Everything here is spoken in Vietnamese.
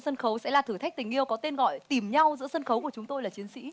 sân khấu sẽ là thử thách tình yêu có tên gọi tìm nhau giữa sân khấu của chúng tôi là chiến sĩ